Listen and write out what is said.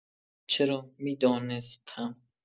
چرا، می‌دانستم.